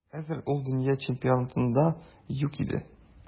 Хәзер ул дөнья чемпионатында юк иде.